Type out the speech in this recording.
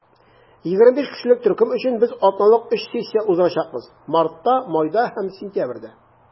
25 кешелек төркем өчен без атналык өч сессия уздырачакбыз - мартта, майда һәм сентябрьдә.